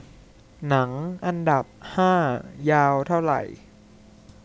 หนังอันดับห้ายาวเท่าไหร่